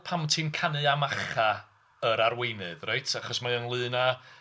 Pam ti'n canu am achau yr arweinydd, reit? Achos mae o ynglyn â...